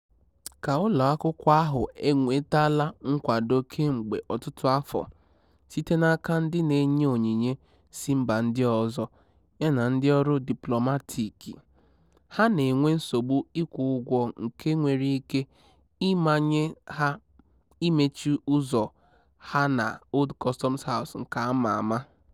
Ka ụlọakwụkwọ ahụ enwetaala nkwado kemgbe ọtụtụ afọ site n'aka ndị na-enye onyinye si mba ndị ọzọ yana ndị ọrụ diplọmatiiki, ha na-enwe nsogbu ịkwụ ụgwọ nke nwere ike ịmanye ha imechi ụzọ ha na Old Customs House nke a ma ama.